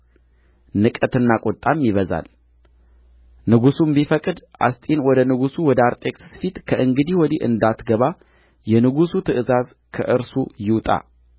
ንቀትና ቍጣም ይበዛል ንጉሡም ቢፈቅድ አስጢን ወደ ንጉሡ ወደ አርጤክስስ ፊት ከእንግዲህ ወዲህ እንዳትገባ የንጉሡ ትእዛዝ ከእርሱ ይውጣ